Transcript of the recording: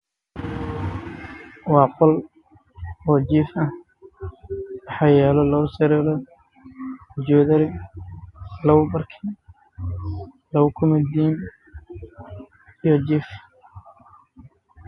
Waa sariir waxaa saaran jaadari midabkiisii yahay cadaanka